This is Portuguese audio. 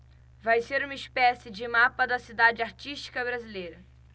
vai ser uma espécie de mapa da cidade artística brasileira